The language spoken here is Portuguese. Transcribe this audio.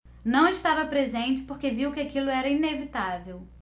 não estava presente porque viu que aquilo era inevitável